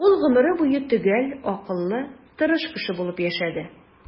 Ул гомере буе төгәл, акыллы, тырыш кеше булып яшәде.